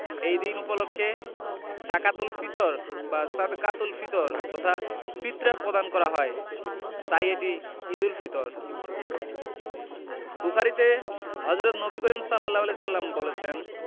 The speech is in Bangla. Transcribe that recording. এই দিন উপলক্ষে জাকাতুল ফিতর বা সদকাতুল ফিতর তথা ফিতরা প্রদান করা হয় তাই এটি ঈদুল ফিতর বুখারিতে হজরত নবী করিম সা বলেছেন